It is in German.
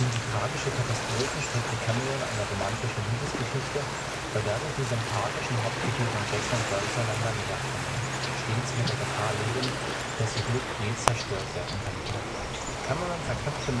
die tragische Katastrophe strickte Cameron eine romantische Liebesgeschichte, bei der sich die sympathischen Hauptfiguren Jack und Rose einander näher kommen – stets mit der Gefahr lebend, dass ihr Glück jäh zerstört werden könnte. Cameron verknüpfte